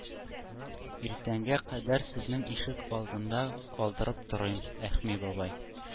Иртәнгә кадәр сезнең ишек алдында калдырып торыйм, Әхми бабай.